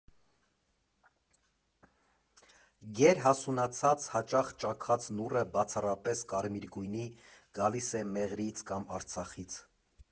Գերհասունացած, հաճախ ճաքած նուռը՝ բացառապես կարմիր գույնի, գալիս է Մեղրիից կամ Արցախից։